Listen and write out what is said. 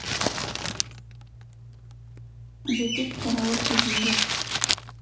ютуб караоке зиверт